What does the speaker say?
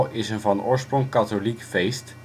is een van oorsprong katholiek feest